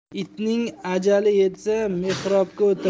itning ajali yetsa mehrobga o'tirar